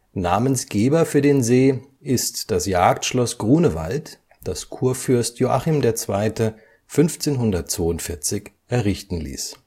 Namensgeber für den See ist das Jagdschloss Grunewald, das Kurfürst Joachim II. 1542 errichten ließ